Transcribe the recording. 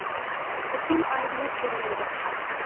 ukam arillab yig'lay boshladi